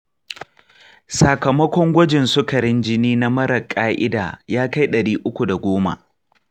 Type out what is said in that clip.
sakamakon gwajin sukarin jini na marar ƙa'ida ya kai ɗari uku da goma.